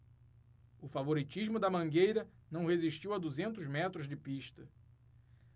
o favoritismo da mangueira não resistiu a duzentos metros de pista